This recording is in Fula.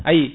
ayi